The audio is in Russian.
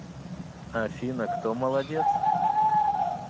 афина кто молодец